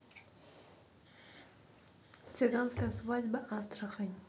цыганская свадьба астрахань